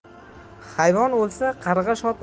hayvon o'lsa qarg'a shod